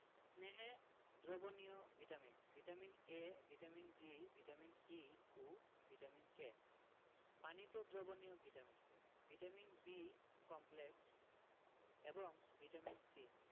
স্নেহে দ্রবণীয় vitamin vitamin A vitamin D vitamin E ও ভিটামিন K পানিতে দ্রবণীয় ভিটামিন ভিটামিন B কমপ্লেক্স এবং ভিটামিন C